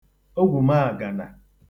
ogwùmaàgànà